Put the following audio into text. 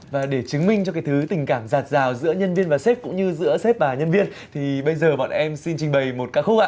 và để chứng minh cho cái thứ tình cảm dạt dào giữa nhân viên và sếp cũng như giữa sếp và nhân viên thì bây giờ bọn em xin trình bày một ca khúc ạ